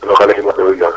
***